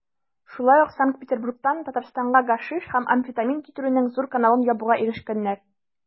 Шулай ук Санкт-Петербургтан Татарстанга гашиш һәм амфетамин китерүнең зур каналын ябуга ирешкәннәр.